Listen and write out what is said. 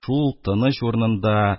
Шул тыныч урынында